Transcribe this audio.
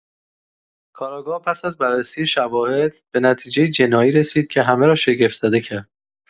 کارآگاه پس از بررسی شواهد، به نتیجه‌ای جنایی رسید که همه را شگفت‌زده کرد.